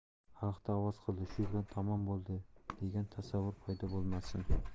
xalqda ovoz oldi shu bilan tamom bo'ldi degan tasavvur paydo bo'lmasin